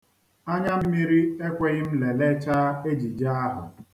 Anyammiri ekweghị m lelechaa ejije ahụ.